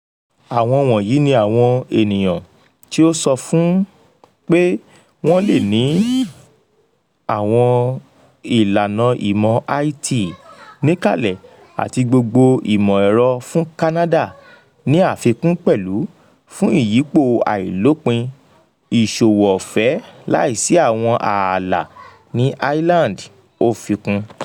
Àwọn wọ̀nyí ni àwọn ènìyàn tí ó sọ fún wa pé wọ́n lè ni àwọn ìlànà ìmọ̀ IT níkàlẹ̀ ati gbogbo ìmọ̀-ẹ̀rọ fún Canada ní àfikún pẹ̀lú, fún ìyípò àìlópin, ìṣòwò ọ̀fẹ́ láìsí àwọn ààlà ní Ireland,’o fi kun.